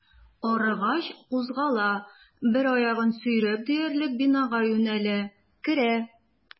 Арыгач, кузгала, бер аягын сөйрәп диярлек бинага юнәлә, керә.